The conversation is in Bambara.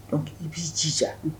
I b'i jija